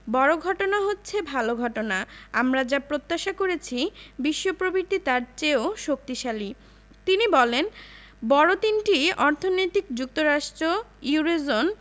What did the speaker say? বড় ঘটনা হচ্ছে ভালো ঘটনা আমরা যা প্রত্যাশা করেছি বিশ্ব প্রবৃদ্ধি তার চেয়েও শক্তিশালী তিনি বলেন বড় তিনটি অর্থনীতি যুক্তরাষ্ট্র ইউরোজোন